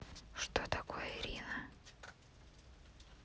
что такое ирина